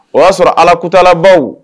O y'a sɔrɔ ala kutalabaa